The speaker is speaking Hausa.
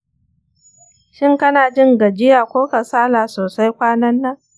shin kana jin gajiya ko kasala sosai kwanan nan?